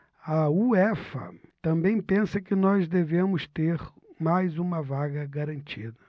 a uefa também pensa que nós devemos ter mais uma vaga garantida